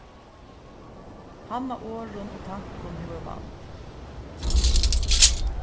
hann á orðum og tankum hevur vald